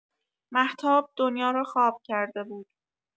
مهتاب دنیا را خواب کرده بود.